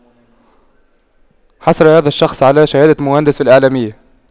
حصل هذا الشخص على شهادة مهندس في الإعلامية